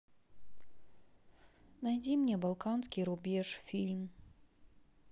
найди мне балканский рубеж фильм